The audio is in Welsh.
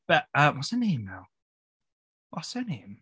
Be yym what's her name now? What's her name?